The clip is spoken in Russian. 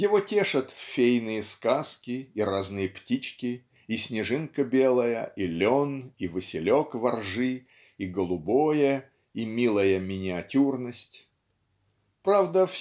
его тешат фейные сказки и разные птички и снежинка белая и лен и василек во ржи и голубое и милая миниатюрность. Правда